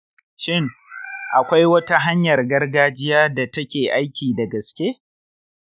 shin akwai wata hanyar gargajiya da take aiki da gaske?